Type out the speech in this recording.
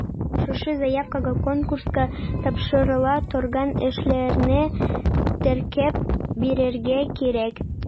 Шушы заявкага конкурска тапшырыла торган эшләрне теркәп бирергә кирәк.